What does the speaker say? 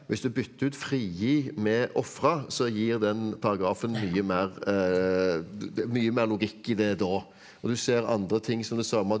hvis du bytter ut frigi med ofre så gir den paragrafen mye mer det er mye mer logikk i det da og du ser andre ting som det samme.